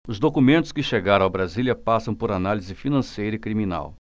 os documentos que chegaram a brasília passam por análise financeira e criminal